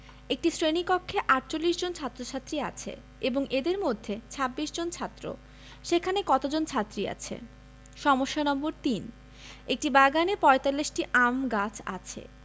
একটি শ্রেণি কক্ষে ৪৮ জন ছাত্ৰ-ছাত্ৰী আছে এবং এদের মধ্যে ২৬ জন ছাত্র সেখানে কতজন ছাত্রী আছে ৩ একটি বাগানে ৪৫টি আম গাছ আছে